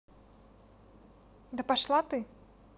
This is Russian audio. да пошла ты